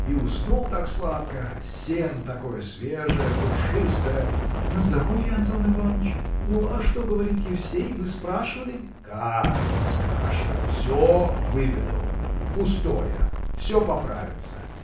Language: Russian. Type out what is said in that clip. и уснул так сладко; сено такое свежее, душистое. – На здоровье, Антон Иваныч. Ну, а что говорит Евсей? Вы спрашивали? – Как не спрашивать! Все выведал: пустое! все поправится.